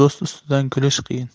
do'st ustidan kulish qiyin